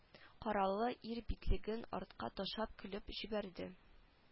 Кораллы ир битлеген артка ташлап көлеп җибәрде